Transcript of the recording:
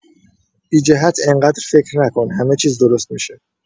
بی‌جهت انقدر فکر نکن، همه چیز درست می‌شه.